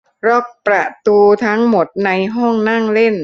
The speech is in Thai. ล็อกประตูทั้งหมดในห้องนั่งเล่น